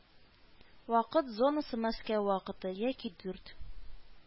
Вакыт зонасы Мәскәү вакыты яки дүрт